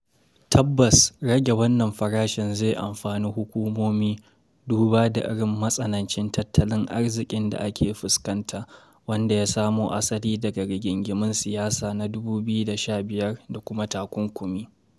Tabbas rage wannan farashin zai amfani hukumomi, duba da irin matsanancin tattalin arzikin da ake fuskanta, wanda ya samo asali daga rigingimun siyasa na 2015 da kuma takunkumi.